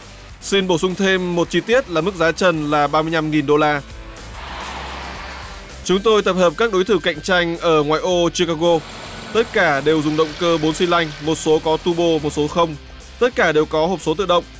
xin bổ sung thêm một chi tiết là mức giá trần là ba mươi nhăm nghìn đô la chúng tôi tập hợp các đối thủ cạnh tranh ở ngoại ô chi ca go tất cả đều dùng động cơ bốn xi lanh một số có tu bô một số không tất cả đều có hộp số tự động